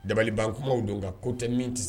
Dabali ban kumaw don nka ko tɛ min tɛ se